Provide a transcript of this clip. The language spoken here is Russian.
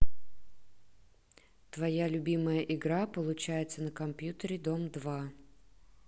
твоя любимая игра получается на компьютере дом два